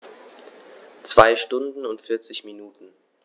2 Stunden und 40 Minuten